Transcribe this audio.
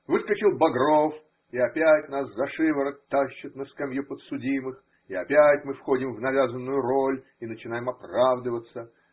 Выскочил Богров – и опять нас за шиворот ташут на скамью подсудимых, и опять мы входим в навязанную роль и начинаем оправдываться.